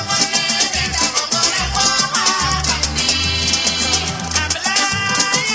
Gosas comme je jege na ak kii Diourbel ak yooyu foofu 55 437 bi